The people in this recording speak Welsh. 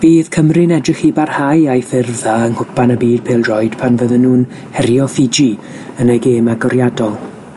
Bydd Cymru'n edrych i barhau a'i ffurf dda yng nghwpan y byd pêl-droed pan fydden nhw'n hero Fiji yn eu gêm agoriadol.